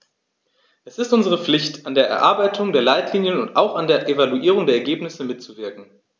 Es ist unsere Pflicht, an der Erarbeitung der Leitlinien und auch an der Evaluierung der Ergebnisse mitzuwirken.